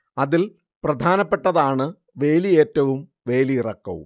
അതിൽ പ്രധാനപ്പെട്ടതാണ് വേലിയേറ്റവും വേലിയിറക്കവും